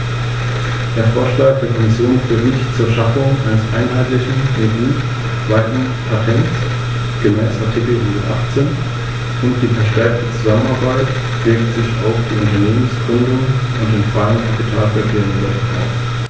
Daher ist es nicht annehmbar, die Umsetzung auf einen späteren Zeitpunkt zu verschieben.